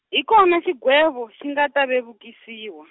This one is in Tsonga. hi kona xigwevo xi nga ta vevukisiwa.